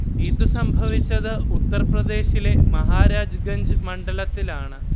ഇത് സംഭവിച്ചത് ഉത്തർ പ്രദേശിലെ മഹാരാജ്ഗഞ്ച് മണ്ഡലത്തിലാണ്